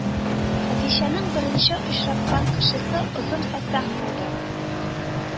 Хәдичәнең беренче очраткан кешесе Озын Фәсах булды